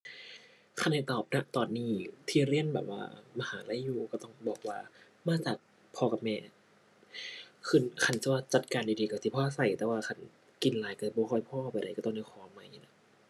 คันให้ตอบ ณ ตอนนี้ที่เรียนแบบว่ามหาลัยอยู่ ก็ต้องบอกว่ามาจากพ่อกับแม่ ขึ้น คันสิว่าจัดการได้ดีก็สิพอก็ แต่ว่าคันกินหลายก็บ่ค่อยพอปานใด ก็ต้องได้ขอใหม่อยู่นะ